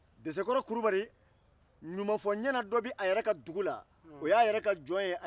desekɔrɔ kulubali ɲumanfɔ-n-ɲɛna dɔ bɛ a yɛrɛ ka dugu la o y'a yɛrɛ ka jɔn ye